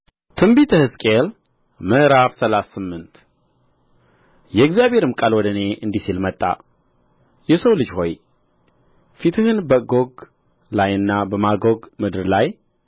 በትንቢተ ሕዝቅኤል ምዕራፍ ሰላሳ ስምንት የእግዚአብሔርም ቃል ወደ እኔ እንዲህ ሲል መጣ የሰው ልጅ ሆይ ፊትህን በጎግ ላይና በማጎግ ምድር ላይ